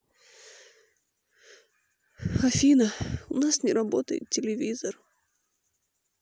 афина у нас не работает телевизор